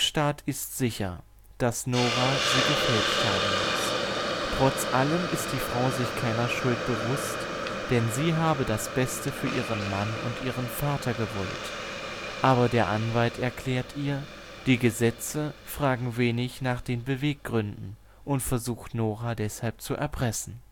hergegeben. Krogstad ist sicher, dass Nora sie gefälscht haben muss. Trotz allem ist die Frau sich keiner Schuld bewusst, denn sie habe das Beste für ihren Mann und ihren Vater gewollt; aber der Anwalt erklärt ihr „ Die Gesetze fragen wenig nach den Beweggründen “und versucht Nora zu erpressen